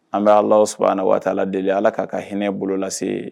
An bɛ ala saba an waati deli ala k kaa ka hinɛ bolo lase ye